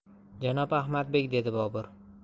janob ahmadbek dedi bobur